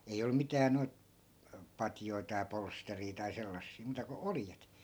ei ollut mitään noita patjoja tai polsteria tai sellaisia muuta kuin oljet